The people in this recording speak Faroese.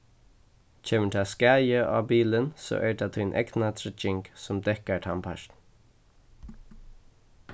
kemur tað skaði á bilin so er tað tín egna trygging sum dekkar tann partin